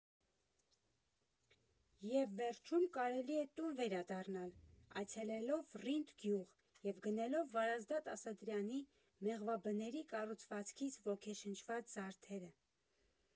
Եվ վերջում կարելի է տուն վերադառնալ՝ այցելելով Ռինդ գյուղ և գնելով Վարազդատ Ասատրյանի՝ մեղվաբների կառուցվածքից ոգեշնչված զարդերը։